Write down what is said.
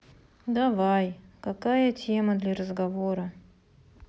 давай какая тема для разговора